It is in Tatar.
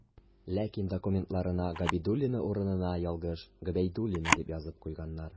Ләкин документына «Габидуллина» урынына ялгыш «Гобәйдуллина» дип язып куйганнар.